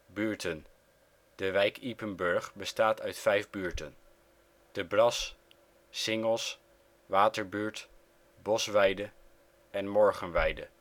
De wijk Ypenburg bestaat uit vijf buurten: De Bras, Singels, Waterbuurt, Bosweide en Morgenweide